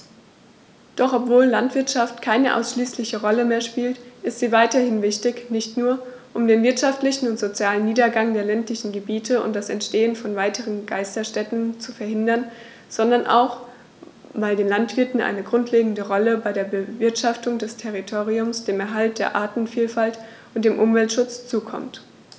Doch obwohl die Landwirtschaft keine ausschließliche Rolle mehr spielt, ist sie weiterhin wichtig, nicht nur, um den wirtschaftlichen und sozialen Niedergang der ländlichen Gebiete und das Entstehen von weiteren Geisterstädten zu verhindern, sondern auch, weil den Landwirten eine grundlegende Rolle bei der Bewirtschaftung des Territoriums, dem Erhalt der Artenvielfalt und dem Umweltschutz zukommt.